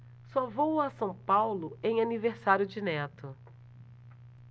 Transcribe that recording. só vou a são paulo em aniversário de neto